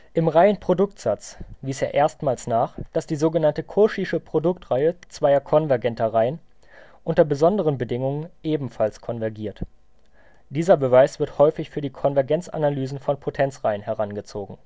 Im Reihenproduktsatz wies er erstmals nach, dass die so genannte cauchysche Produktreihe zweier konvergenter Reihen unter besonderen Bedingungen ebenfalls konvergiert. Dieser Beweis wird häufig für die Konvergenzanalysen von Potenzreihen herangezogen